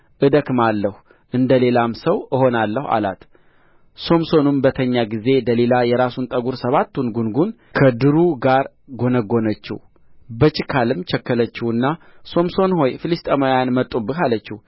እደክማለሁ እንደ ሌላም ሰው እሆናለሁ አላት ሶምሶንም በተኛ ጊዜ ደሊላ የራሱን ጠጕር ሰባቱን ጕንጕን ከድሩ ጋር ጐነጐነችው በችካልም ቸከለችውና ሶምሶን ሆይ ፍልስጥኤማውያን መጡብህ አለችው